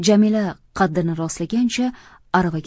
jamila qaddini rostlagancha aravaga sakrab